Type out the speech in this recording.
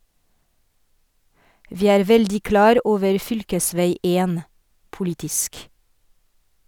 - Vi er veldig klar over fylkesvei 1 - politisk.